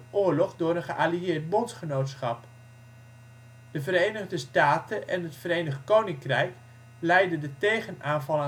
oorlog door een geallieerd bondgenootschap. De Verenigde Staten en het Verenigd Koninkrijk leidden de tegenaanval